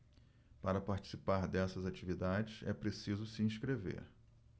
para participar dessas atividades é preciso se inscrever